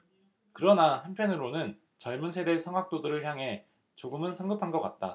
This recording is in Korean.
그러나 한편으로는 젊은 세대 성악도들을 향해 조금은 성급한 것 같다